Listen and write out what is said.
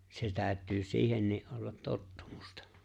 se täytyy siihenkin olla tottumusta